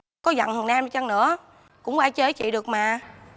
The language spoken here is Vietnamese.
có giận thằng nam đi chăng nữa cũng qua chơi với chị được mà